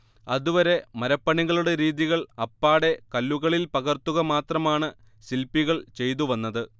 അതുവരെ മരപ്പണികളുടെ രീതികൾ അപ്പാടെ കല്ലുകളിൽ പകർത്തുക മാത്രമാണ് ശില്പികൾ ചെയ്തുവന്നത്